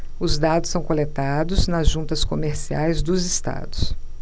os dados são coletados nas juntas comerciais dos estados